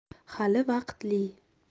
hali vaqtli